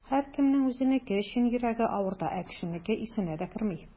Һәркемнең үзенеке өчен йөрәге авырта, ә кешенеке исенә дә керми.